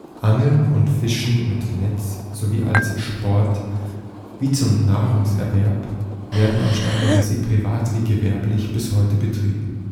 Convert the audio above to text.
Angeln und Fischen mit Netz sowohl als Sport wie zum Nahrungserwerb werden am Starnberger See privat wie gewerblich bis heute betrieben